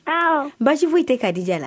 Basi foyi tɛ k ka dija la